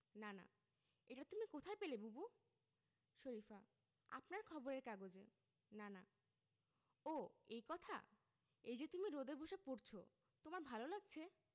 নানা এটা তুমি কোথায় পেলে বুবু শরিফা আপনার খবরের কাগজে নানা ও এই কথা এই যে তুমি রোদে বসে পড়ছ তোমার ভালো লাগছে